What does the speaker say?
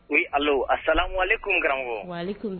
O ala a sa wale ko garanko